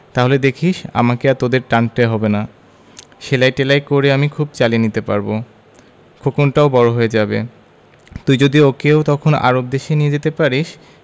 তাহলে দেখিস আমাকে আর তোদের টানতে হবে না সেলাই টেলাই করে আমি খুব চালিয়ে নিতে পারব খোকনটাও বড় হয়ে যাবে তুই যদি ওকেও তখন আরব দেশে নিয়ে যেতে পারিস